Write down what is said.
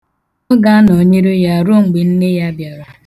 Ọ ga-anọnyere ya rụọ mgbe nne ya bịara.